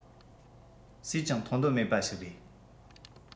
སུས ཀྱང མཐོང འདོད མེད པ ཞིག རེད